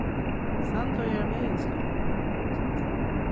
sandoyar meginskúli